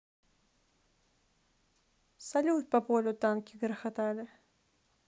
салют по полю танки грохотали